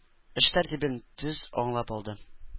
Эш тәртибен тиз аңлап алды.